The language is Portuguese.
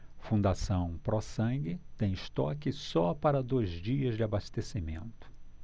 fundação pró sangue tem estoque só para dois dias de abastecimento